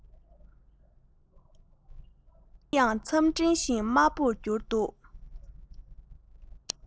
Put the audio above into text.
ས གཞི ཡང མཚམས སྤྲིན བཞིན དམར པོ གྱུར འདུག